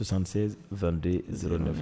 Kusan72de z ne fɛ